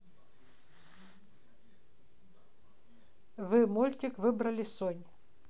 вы мультик выбрали сонь